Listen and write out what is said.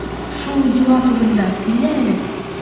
Шул йола турында сөйлә әле.